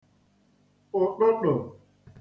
ụ̀ṭụṭụ